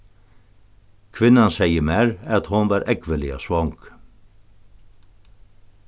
kvinnan segði mær at hon var ógvuliga svong